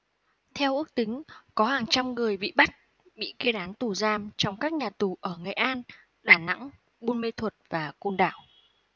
theo ước tính có hàng trăm người bị bắt bị kết án tù giam trong các nhà tù ở nghệ an đà nẵng buôn mê thuột và côn đảo